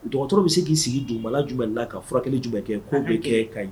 Bɛ se k'i sigi donbala jumɛnla ka furakɛli jumɛn kɛ k' bɛ kɛ